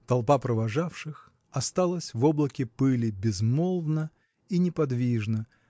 Толпа провожавших осталась в облаке пыли безмолвна и неподвижна